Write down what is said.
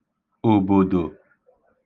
òbòdò